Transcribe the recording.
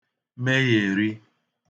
meghèri